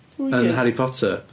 Yn Harry Potter?